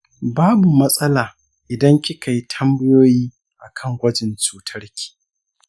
babu matsala idan kikayi tambayoyi akan gwajin cutar ki.